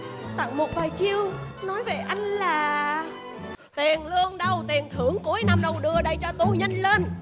tặng một vài chiêu nói vậy anh là tiền lương đâu tiền thưởng cuối năm đâu đưa đây cho tui nhanh lên